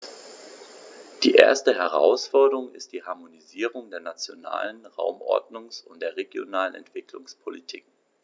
Die erste Herausforderung ist die Harmonisierung der nationalen Raumordnungs- und der regionalen Entwicklungspolitiken.